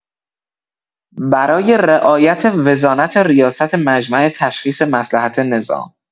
برای رعایت وزانت ریاست مجمع تشخیص مصلحت نظام